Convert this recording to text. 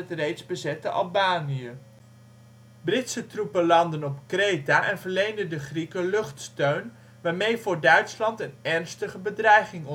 reeds bezette Albanië. Britse troepen landden op Kreta en verleenden de Grieken luchtsteun, waarmee voor Duitsland een ernstige bedreiging